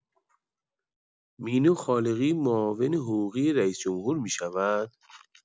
مینو خالقی معاون حقوقی رئیس‌جمهور می‌شود؟